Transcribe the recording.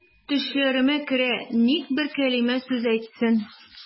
Төшләремә керә, ник бер кәлимә сүз әйтсен.